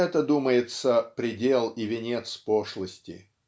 это, думается, предел и венец пошлости.